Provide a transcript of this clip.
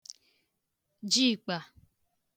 jiị̀kpà